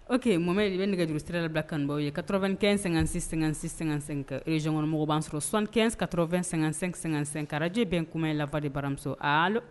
Oke mo de bɛ nɛgɛ ka juru sira yɛrɛ bila kanubaw ye kat2- kɛn--sɛ-sɛ-sɛ ka rezygkɔnɔmɔgɔ b'a sɔrɔ sɔn kɛnɛns kat2--sɛ-sɛkarajɛ bɛn kuma e la de baramuso